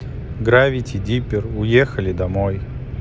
гравити диппер уехали домой